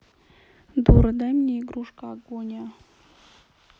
дура дай мне игрушка агония